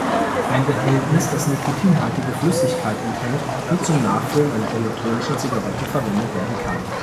ein Behältnis, das nikotinhaltige Flüssigkeit enthält, die zum Nachfüllen einer elektronischen Zigarette verwendet werden kann